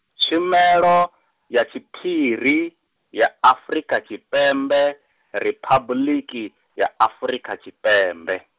Tshumelo, ya Tshiphiri, ya Afrika Tshipembe, Riphabuḽiki, ya Afrika Tshipembe.